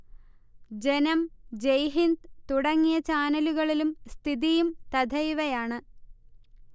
ജനം, ജയ്ഹിന്ദ് തുടങ്ങിയ ചാനലുകളിലും സ്ഥിതിയും തഥൈവയാണ്